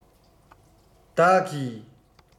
བདག གིས